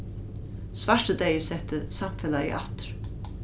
svartideyði setti samfelagið aftur